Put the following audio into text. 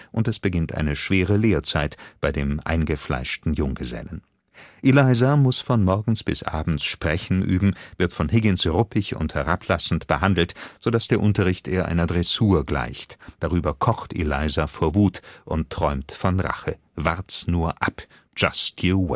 und es beginnt eine schwere Lehrzeit bei dem eingefleischten Junggesellen. Eliza muss von morgens bis abends sprechen üben, wird von Higgins ruppig und herablassend behandelt, so dass der Unterricht eher einer Dressur gleicht. Darüber kocht Eliza vor Wut und träumt von Rache (Wart’ s nur ab! / Just You